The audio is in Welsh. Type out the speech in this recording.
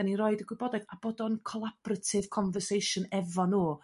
dyn ni'n roid y gwybodaeth a bod o'n collaborative conversation efo nhw.